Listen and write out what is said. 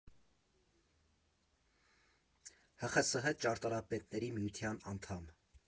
, ՀԽՍՀ ճարտարապետների միության անդամ։